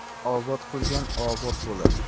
obod qilgan obod bo'lar